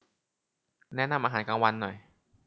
แนะนำอาหารกลางวันหน่อย